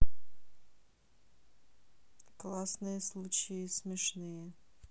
классные случаи и смешные